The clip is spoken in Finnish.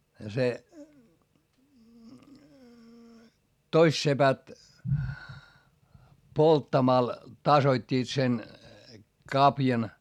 ja se toiset sepät polttamalla tasoittivat sen kavion